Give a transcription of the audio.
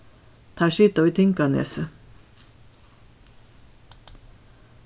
teir sita í tinganesi